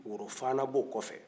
worofana bo kɔfɛ